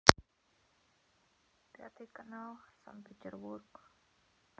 пятый канал санкт петербург